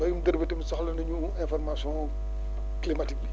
mbéyum dër bi tamit soxala nañu information climatique bi